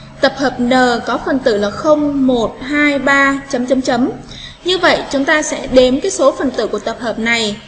tập hợp n có phần tử là chấm chấm chấm như vậy chúng ta sẽ đến với số phần tử của tập hợp này